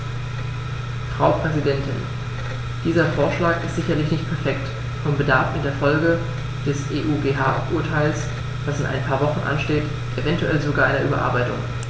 Frau Präsidentin, dieser Vorschlag ist sicherlich nicht perfekt und bedarf in Folge des EuGH-Urteils, das in ein paar Wochen ansteht, eventuell sogar einer Überarbeitung.